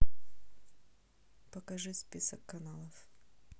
покажи список каналов